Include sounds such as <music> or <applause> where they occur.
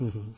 <hesitation> <hesitation>